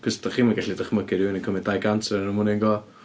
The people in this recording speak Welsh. Achos dach chi'm yn gallu dychmygu rywun yn cymryd dau gant ohonyn nhw mewn un go.